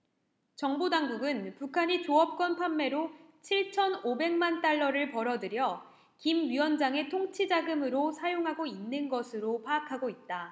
정보당국은 북한이 조업권 판매로 칠천 오백 만 달러를 벌어들여 김 위원장의 통치자금으로 사용하고 있는 것으로 파악하고 있다